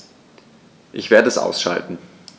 Ich werde es ausschalten